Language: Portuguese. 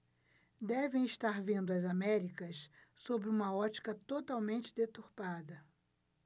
devem estar vendo as américas sob uma ótica totalmente deturpada